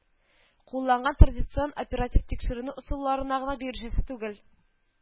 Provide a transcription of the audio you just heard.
Кулланган традицион оперативтикшеренү ысулларына гына бирешәсе түгел